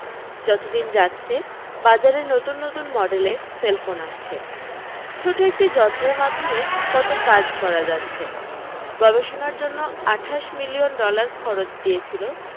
যত দিন যাচ্ছে বাজারে নতুন নতুন মডেলের সেলফোন আসছে ছোট একটি যন্ত্রের মাধ্যমে কত কাজ করা যাচ্ছে গবেষণার জন্যে আঠাশ মিলিয়ন ডলার খরচ দিয়েছিল